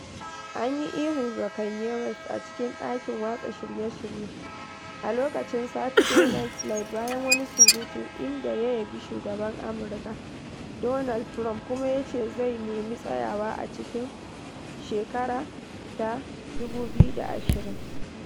An yi ihu ga Kanye West a cikin ɗakin watsa shirye-shirye a lokacin Saturday Night Live bayan wani surutu inda ya yabi Shugaban Amurka. Donald Trump kuma ya ce zai neme tsayawa a cikin 2020.